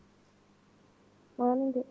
mawɗum de